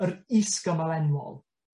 yr is gymal enwol.